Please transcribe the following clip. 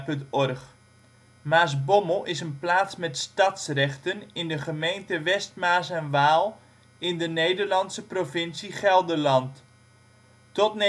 OL Maasbommel is een plaats met stadsrechten in de gemeente West Maas en Waal, in de Nederlandse provincie Gelderland. Tot 1984